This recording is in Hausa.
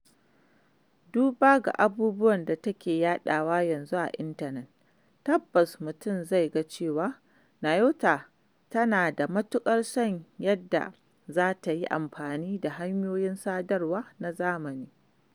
Duba ga abubuwan da take yaɗawa yanzu a Intanet, tabbas mutum zai ga cewa, Nyota ta nada matuƙar san yadda za ta yi amfani da hanyoyin sadarwa na zamani.